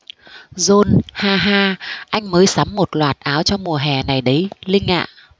john haha anh mới sắm một loạt áo cho mùa hè này đấy linh ạ